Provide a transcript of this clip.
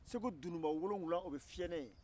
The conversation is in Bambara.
segu dununba wolonfila o be fiyɛ ne ye